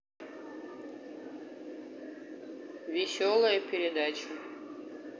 веселая передача